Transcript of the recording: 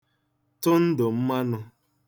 tụ ndụ̀ mmanụ̄